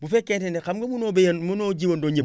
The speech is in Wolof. bu fekkente ne xam nga mënoo bayan mënoo jiwandoo ñëpp